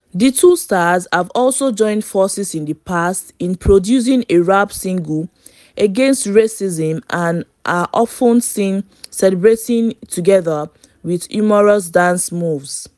The two stars have also joined forces in the past in producing a rap single against racism and are often seen celebrating together with humorous dance moves.